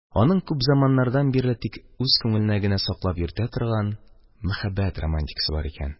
Аның күп заманнардан бирле тик үз күңелендә генә саклап йөртә торган мәхәббәт романтикасы бар икән,